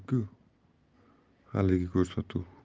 ku haligi ko'rsatuv